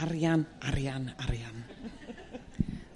Arian arian arian .